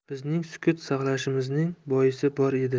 bizning sukut saqlashimizning boisi bor edi